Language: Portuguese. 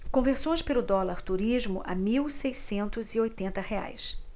conversões pelo dólar turismo a mil seiscentos e oitenta reais